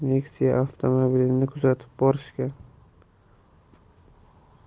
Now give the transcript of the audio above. nexia avtomobilini kuzatib borishgan